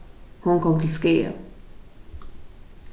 hon kom til skaða